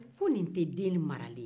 ko nin ttɛ den maralen ye